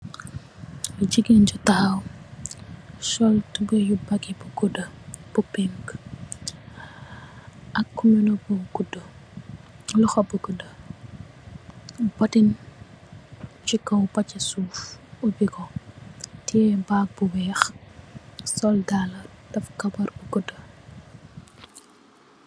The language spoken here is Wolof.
Jigeen ju taxaw sol tubai bagi bu guda bu pink ak wlu bu godu loxo bo gudu bottin si kaw basi suuf opbi ko tiye baag bi weex sol daala def kawar bu gudu.